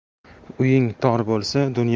uying tor bo'lsa